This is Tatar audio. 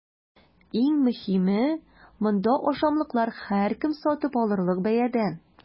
Иң мөһиме – монда ашамлыклар һәркем сатып алырлык бәядән!